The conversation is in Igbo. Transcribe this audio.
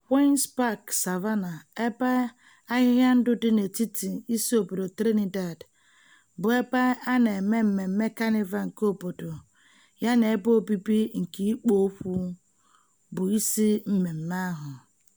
Queen's Park Savannah, ebe ahịhịa ndụ dị n'etiti isi obodo Trinidad, bụ ebe a na-eme mmemme Kanịva nke obodo yana ebe obibi nke ikpo okwu bụ isi mmemme ahụ.